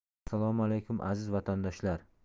assalomu alaykum aziz vatandoshlar